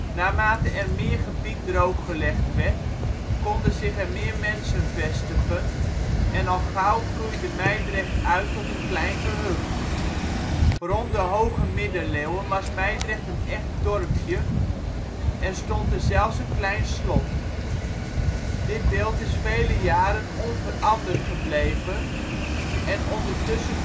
Naarmate er meer gebied drooggelegd werd, konden zich er meer mensen vestigen, en al gauw groeide Mijdrecht uit tot een klein gehucht. Rond de hoge middeleeuwen was Mijdrecht een echt dorpje, en stond er zelfs een klein slot. Dit beeld is vele jaren onveranderd gebleven, en ondertussen